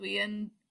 dwi yn